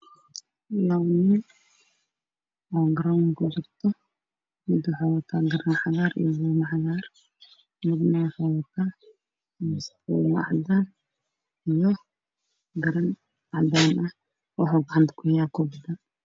Waa wiilal banooni ciyaarayo